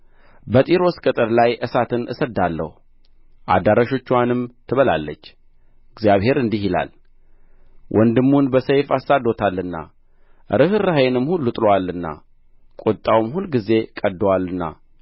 በጢሮስ ቅጥር ላይ እሳትን እሰድዳለሁ አዳራሾችዋንም ትበላለች እግዚአብሔር እንዲህ ይላል ወንድሙን በሰይፍ አሳድዶታልና ርኅራኄንም ሁሉ ጥሎአልና ቍጣውም ሁልጊዜ ቀድዶአልና